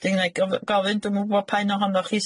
'Dyn 'na i gyf- gofyn dwi'm yn gwbo pa un ohonoch chi